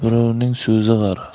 birovning so'zi g'ar